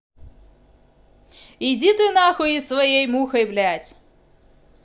иди ты нахуй из своей мухой блядь